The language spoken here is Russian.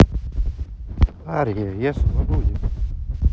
ария я свободен